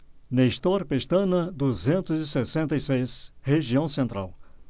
nestor pestana duzentos e sessenta e seis região central